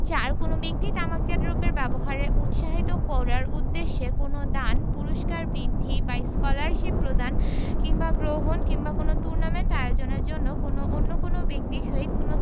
৪ কোন ব্যক্তি তামাকজাত দ্রব্যের ব্যবহার উৎসাহিত করার উদ্দেশ্যে কোন দান পুরস্কার বৃদ্তি বা স্কলারশীপ প্রদান কিংবা গ্রহণ কিংবা কোন টুর্নামেন্ট আয়োজনের জন্য অন্য কোন ব্যক্তির সহিত কোনো